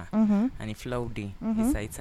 Fila